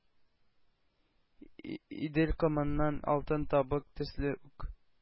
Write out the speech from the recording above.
Идел комыннан алтын табу төсле үк